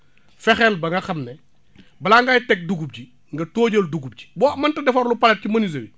fexeel ba nga xam ne balaa ngay teg dugub ji nga tóojal dugub jiboo mënut a defarlu palette ci menuisier bi